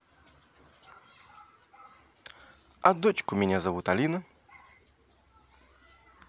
а дочку меня зовут алина